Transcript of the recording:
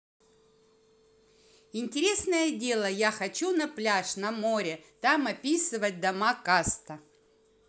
интересное дело я хочу на пляж на море там описывать дома каста